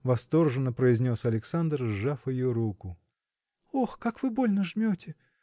– восторженно произнес Александр, сжав ее руку. – Ох, как вы больно жмете!